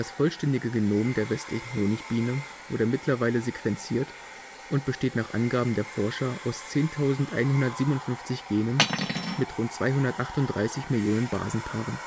vollständige Genom der Westlichen Honigbiene wurde mittlerweile sequenziert und besteht nach Angaben der Forscher aus 10.157 Genen mit rund 238 Millionen Basenpaaren